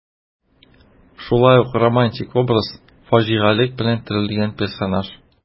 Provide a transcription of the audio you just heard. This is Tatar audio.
Шулай ук романтик образ, фаҗигалек белән төрелгән персонаж.